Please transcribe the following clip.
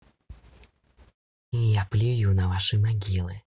я плюю на ваши могилы